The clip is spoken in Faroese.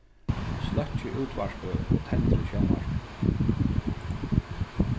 sløkkið útvarpið og tendrið sjónvarpið